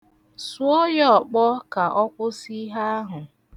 Suo ya ọkpọ, ka ọ kwusị ihe ahụ.